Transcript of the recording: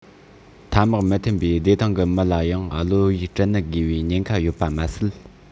ཐ མག མི འཐེན པའི བདེ ཐང གི མི རྣམས ལ ཡང གློ བའི སྐྲན ནད འགོས པའི ཉེན ཁ ཡོད པ མ ཟད